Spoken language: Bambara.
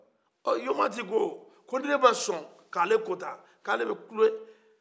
o yomati ko ko ni ne bɛ sɔn ka ale kota ko ale bɛ kulen